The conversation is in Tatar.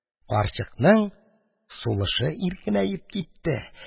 Карчыкның сулышы иркенәеп китте.